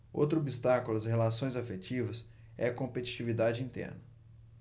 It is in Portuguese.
outro obstáculo às relações afetivas é a competitividade interna